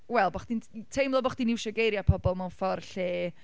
Wel, bo’ chdi'n teimlo bo’ chdi’n iwsio geiriau pobl mewn ffordd lle...